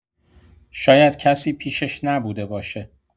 شاید کسی پیشش نبوده باشه